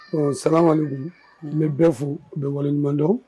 Ɔɔ salamuhalekum n bi bɛɛ fo, ka bɛɛ waleɲuman dɔn.